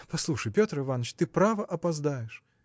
– Послушай, Петр Иваныч: ты, право, опоздаешь!